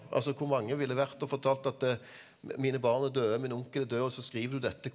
altså hvor mange ville vært og fortalt at mine barn er døde, min onkel er død, og så skriver du dette.